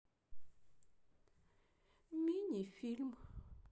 мини фильм